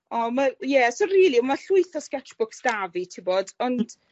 O ma', ie, so rili ma' llwyth o sketchbooks 'da fi t'wbod ond